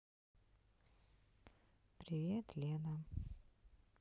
привет лена